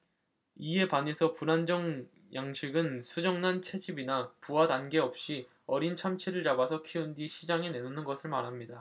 이에 반해서 불안정 양식은 수정란 채집이나 부화 단계 없이 어린 참치를 잡아서 키운 뒤 시장에 내놓는 것을 말합니다